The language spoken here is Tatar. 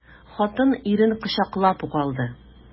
Хатын ирен кочаклап ук алды.